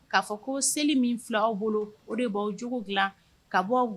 Ko bolo de' cogo dila ka bɔ